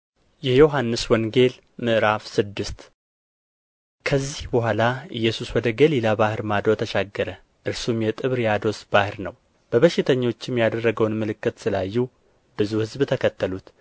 የዮሐንስ ወንጌል ምዕራፍ ስድስት ከዚህ በኋላ ኢየሱስ ወደ ገሊላ ባሕር ማዶ ተሻገረ እርሱም የጥብርያዶስ ባሕር ነው በበሽተኞችም ያደረገውን ምልክቶች ስላዩ ብዙ ሕዝብ ተከተሉት